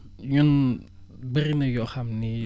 ñun bari na yoo xam ni